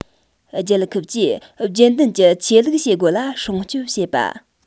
རྒྱལ ཁབ ཀྱིས རྒྱུན ལྡན གྱི ཆོས ལུགས བྱེད སྒོ ལ སྲུང སྐྱོབ བྱེད དགོས